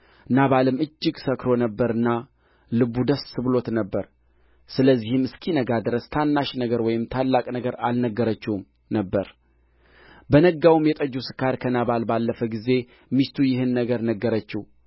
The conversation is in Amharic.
ናባልም እጅግ ሰክሮ ነበርና ልቡ ደስ ብሎት ነበር ስለዚህም እስኪነጋ ድረስ ታናሽ ነገር ወይም ታላቅ ነገር አልነገረችውም ነበር በነጋውም የጠጁ ስካር ከናባል ባለፈ ጊዜ ሚስቱ ይህን ነገር ነገረችው